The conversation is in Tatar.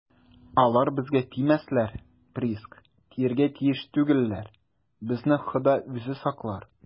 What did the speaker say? - алар безгә тимәсләр, приск, тияргә тиеш түгелләр, безне хода үзе саклар.